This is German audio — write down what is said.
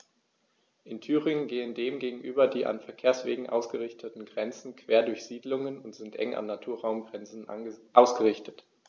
In Thüringen gehen dem gegenüber die an Verkehrswegen ausgerichteten Grenzen quer durch Siedlungen und sind eng an Naturraumgrenzen ausgerichtet.